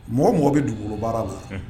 Mɔgɔ mɔgɔ bɛ dugukolobaa la